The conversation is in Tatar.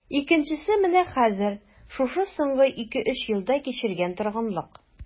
Икенчесе менә хәзер, шушы соңгы ике-өч елда кичергән торгынлык...